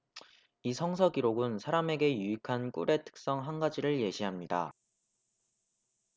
이 성서 기록은 사람에게 유익한 꿀의 특성 한 가지를 예시합니다